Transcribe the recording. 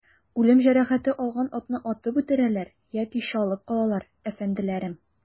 Үлем җәрәхәте алган атны атып үтерәләр яки чалып калалар, әфәнделәрем.